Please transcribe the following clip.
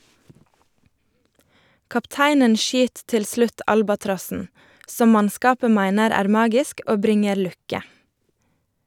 Kapteinen skyt til slutt albatrossen, som mannskapet meiner er magisk og bringer lukke.